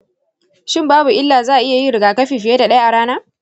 shin babu illa za'a iya yin rigakafi fiye da ɗaya a rana?